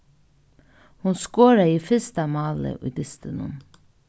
hon skoraði fyrsta málið í dystinum